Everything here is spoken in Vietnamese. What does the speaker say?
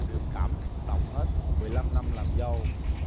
đều cảm động hết mười lăm năm làm dâu